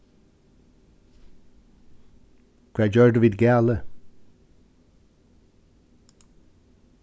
hvat gjørdu vit galið